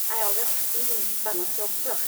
Jeg har aldri hatt en sånn spennende jobb før.